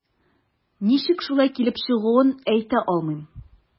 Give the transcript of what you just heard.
Ничек шулай килеп чыгуын әйтә алмыйм.